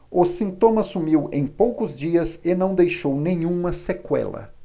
o sintoma sumiu em poucos dias e não deixou nenhuma sequela